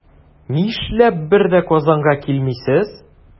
Нишләп бер дә Казанга килмисез?